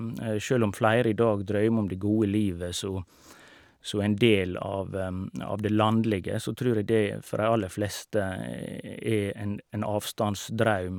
Sjøl om flere i dag drømmer om det gode livet som som en del av av det landlige, så tror jeg det for de aller fleste er en en avstandsdrøm.